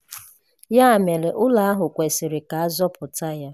Ya mere, ụlọ ahụ kwesịrị ka a zọpụta ya.